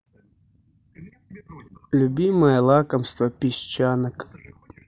любимое лакомство песчанок